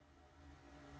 Հովհաննեսն ասում է.